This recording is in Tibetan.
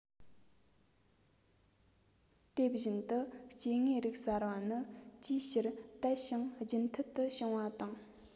དེ བཞིན དུ སྐྱེ དངོས རིགས གསར པ ནི ཅིའི ཕྱིར དལ ཞིང རྒྱུན མཐུད དུ བྱུང བ དང